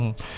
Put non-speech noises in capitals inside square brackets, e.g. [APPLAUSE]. [HESITATION] [HESITATION]